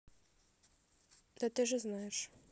да ты же знаешь